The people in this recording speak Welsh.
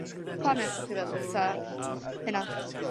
planet 'da chi'n feddwl ta hynna?